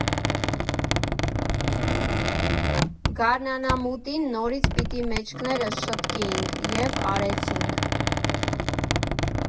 Գարնանամուտին նորից պիտի մեջքներս շտկեինք, և արեցի՛նք.